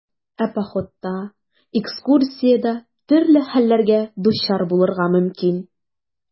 Ә походта, экскурсиядә төрле хәлләргә дучар булырга мөмкин.